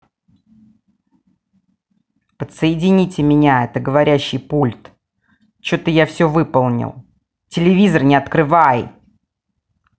подсоедините меня это говорящий пульт че то я все выполнил телевизор не открывай